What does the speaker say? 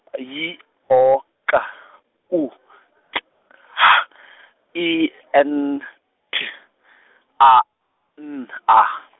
Y , O, K, U, K, H , I, N, T , A, N, A.